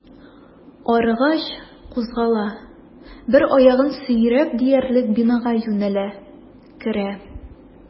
Арыгач, кузгала, бер аягын сөйрәп диярлек бинага юнәлә, керә.